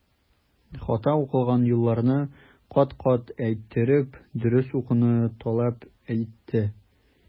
Хата укылган юлларны кат-кат әйттереп, дөрес укуны таләп итте.